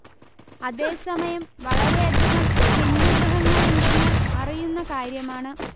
അതേ സമയം വളരെയധികം ഛിന്നഗ്രഹങ്ങളുണ്ടെന്നറിയുന്ന കാര്യമാണ്